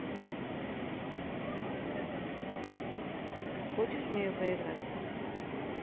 хочешь в нее поиграть